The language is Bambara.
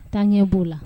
Tankɛ b'o la